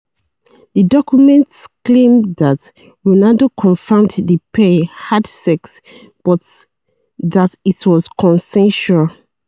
The documents claim that Ronaldo confirmed the pair had sex, but that it was consensual.